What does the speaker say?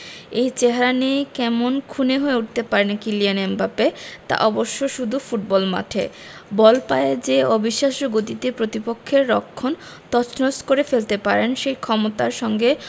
এই চেহারা নিয়েই কেমন খুনে হয়ে উঠতে পারেন কিলিয়ান এমবাপ্পে তা অবশ্য শুধু ফুটবল মাঠে বল পায়ে যে অবিশ্বাস্য গতিতে প্রতিপক্ষের রক্ষণ তছনছ করে ফেলতে পারেন সেই ক্ষমতার সঙ্গে